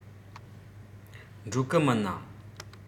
འགྲོ གི མིན ནམ